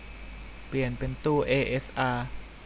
เปลี่ยนเป็นตู้เอเอสอา